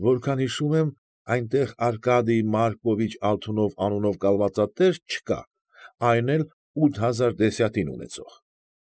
Որքան հիշում եմ այնտեղ Արկադիյ մարկովիչ Ալթունով անունով կալվածատեր չկա, այն էլ ութ հազար դեսյատին ունեցող։